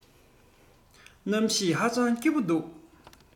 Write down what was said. གནམ གཤིས ཧ ཅང སྐྱིད པོ འདུག